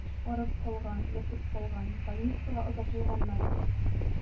Арып калган, ятып калган, больницага озатылганнар.